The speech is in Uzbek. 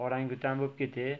orangutan bo'p ket e